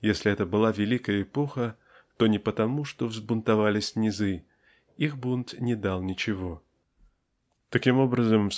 Если это была великая эпоха, то не потому, что взбунтовались низы. Их бунт не дал ничего. Таким образом